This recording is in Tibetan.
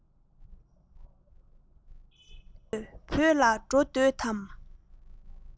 ཁྱོད བོད ལ འགྲོ འདོད དམ